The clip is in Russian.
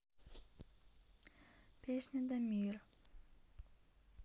песня дамир